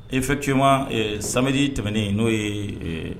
Effectivement e samedi tɛmɛnen n'o ye